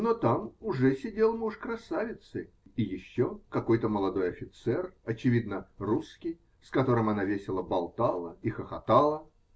Но там уже сидел муж красавицы и еще какой-то молодой офицер, очевидно, русский, с которым она весело болтала и хохотала.